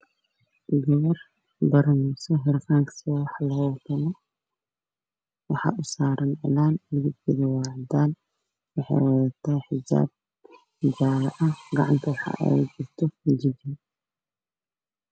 Waa gabar baraneyso harqaabn